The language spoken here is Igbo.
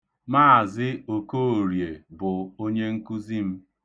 Mz Okoorie bụ onyenkuzi m.